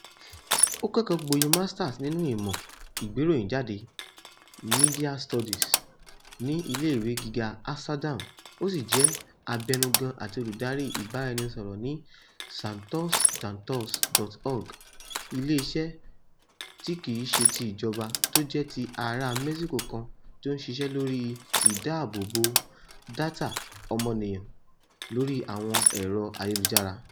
Ó kẹ́kọ̀ọ́ gboyè Masters nínú ìmọ̀ ìgbéròyìnjáde (Media Studies) ní iléèwé gíga Amsterdam ó sì jẹ́ Abẹnugan àti olùdarí ìbára-ẹni-sọ̀rọ̀ ní SonTusDatos.org, iléèṣé tí kìí ṣe ti ijọ̀ba tó jẹ́ ti aráa Mexico kan tí ó ń ṣiṣẹ́ lóri ìdáàbò data ọmọniyàn lórí àwọn ẹ̀rọ ayélujára.